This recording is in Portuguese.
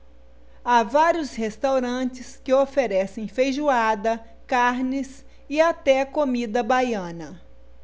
há vários restaurantes que oferecem feijoada carnes e até comida baiana